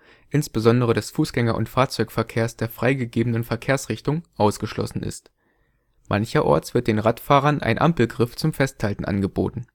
insbesondere des Fußgänger - und Fahrzeugverkehrs der freigegebenen Verkehrsrichtung, ausgeschlossen ist. Mancherorts wird den Radfahrern ein Ampelgriff zum Festhalten angeboten